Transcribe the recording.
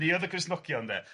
Ni oedd y Cristnogion de.